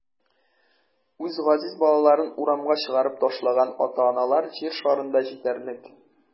Үз газиз балаларын урамга чыгарып ташлаган ата-аналар җир шарында җитәрлек.